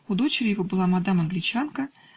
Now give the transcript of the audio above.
У дочери его была мадам англичанка.